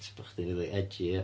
Jyst bod chdi'n rili edgy ia.